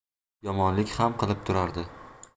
yomonlik ham qilib turardi